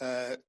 yy